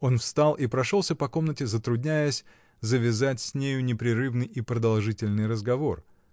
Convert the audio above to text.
Он встал и прошелся по комнате, затрудняясь завязать с нею непрерывный и продолжительный разговор.